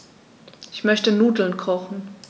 Ich möchte Nudeln kochen.